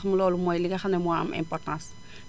ndax loolu mooy li nga xam ne moo am importance